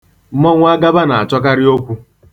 Mmọnwụ Agaba na-achọkarị okwu.